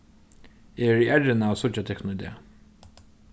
eg eri errin av at síggja tykkum í dag